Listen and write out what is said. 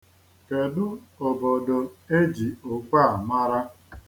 Kedu obodo e ji okwe a mara?